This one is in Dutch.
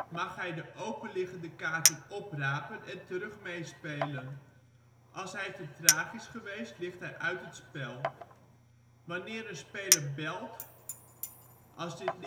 mag hij de openliggende kaarten oprapen en terug meespelen. Als hij te traag is geweest, ligt hij uit het spel. Wanneer een speler belt als dit niet